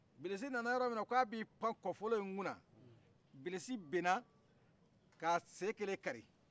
bilisi nana yɔrɔminna k'a b'i pan kɔfolo yin kunna bilisi binna k'a sen kelen kari